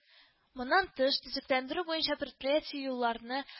Моннан тыш, төзекләндерү буенча предприятие юлларны